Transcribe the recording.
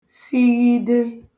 sighide